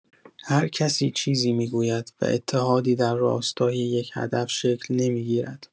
هر کسی چیزی می‌گوید و اتحادی در راستای یک هدف شکل نمی‌گیرد.